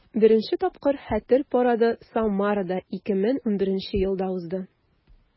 Беренче тапкыр Хәтер парады Самарада 2011 елда узды.